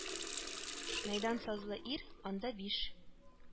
Мәйдан сазлы ир, анда биш